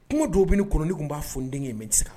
Kungo don bɛ kolonin tun b'a fɔ nden in mɛ di kan